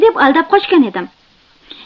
deb aldab qochgan edim